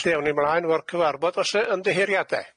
'Lly awn ni'n 'mlaen efo'r cyfarfod. O's 'na ymddiheuriade?